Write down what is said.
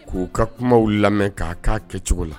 K'u ka kumaw lamɛn k'a k'a kɛcogo la